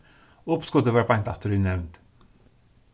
uppskotið var beint aftur í nevnd